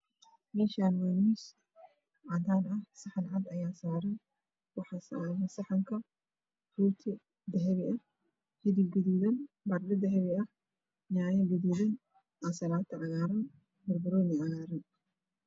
Meeshaan waa miis cadaan ah saxan cadaan ayaa saaran waxaa saaran saxanka rooti dahabi ah hilib gaduudan kaarooto dahabi ah yaanyo gaduud ah ansalaato cagaaran iyo banbanooni cagaaran.